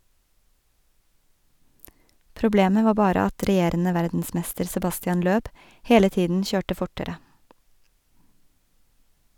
Problemet var bare at regjerende verdensmester Sebastian Loeb hele tiden kjørte fortere.